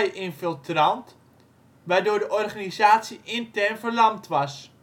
FBI-infiltrant, waardoor de organisatie intern verlamd was